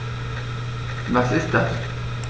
Was ist das?